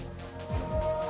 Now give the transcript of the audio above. đến